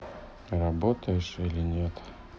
работаешь или нет